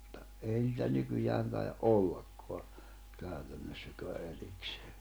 mutta ei niitä nykyään taida ollakaan käytännössäkään erikseen